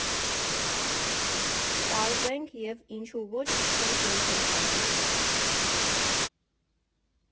Պարզենք և ինչու ոչ՝ սկսենք մենք էլ խաղալ։